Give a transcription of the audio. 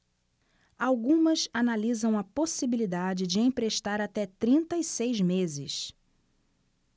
algumas analisam a possibilidade de emprestar até trinta e seis meses